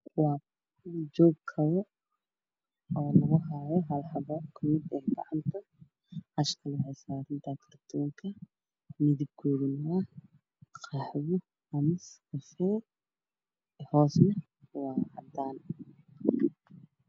Joog kabo eh oo lagu habo hal xabo gacanta tasna waa cadaan